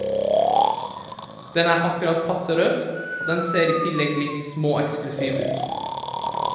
Den er akkurat passe røff, og den ser i tillegg litt småeksklusiv ut.